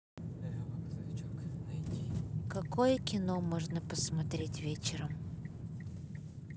какое кино можно посмотреть вечером